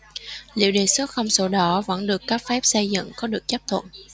liệu đề xuất không sổ đỏ vẫn được cấp phép xây dựng có được chấp thuận